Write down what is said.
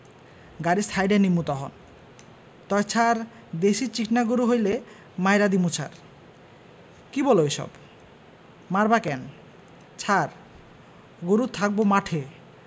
গাড়ি সাইডে নিমু তহন তয় ছার দেশি চিকনা গরু হইলে মাইরা দিমু ছার কী বলো এইসব মারবা কেন ছার গরু থাকবো মাঠে